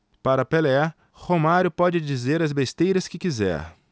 para pelé romário pode dizer as besteiras que quiser